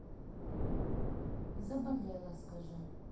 заболела скажи